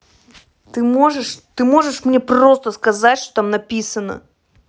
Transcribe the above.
ты можешь ты можешь мне просто сказать что там написано